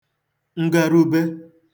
ngarube